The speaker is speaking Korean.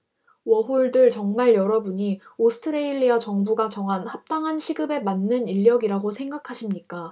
워홀들 정말 여러분이 오스트레일리아 정부가 정한 합당한 시급에 맞는 인력이라고 생각하십니까